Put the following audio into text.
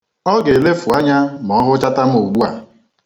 Ọ ga-elefù anya ma ọ hụchata m ugbua.